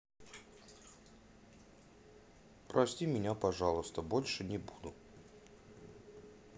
прости меня пожалуйста больше не буду